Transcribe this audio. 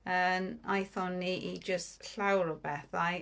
Yym aethon ni i jyst llawer o bethau.